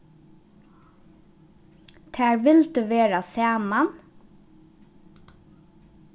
tær vildu vera saman